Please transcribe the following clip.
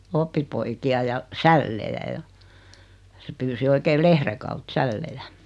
oppipoikia ja sällejä ja se pyysi oikein lehden kautta sällejä